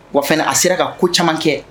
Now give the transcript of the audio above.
Wa fana a sera ka ko camankɛ